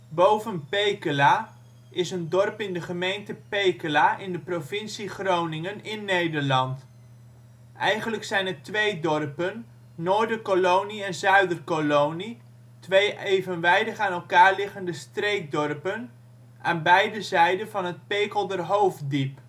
Boven Pekel) is een dorp in de gemeente Pekela in de provincie Groningen in (Nederland). Eigenlijk zijn het twee dorpen: Noorderkolonie en Zuiderkolonie, twee evenwijdig aan elkaar liggende streekdorpen aan beide zijden van het Pekelderhoofddiep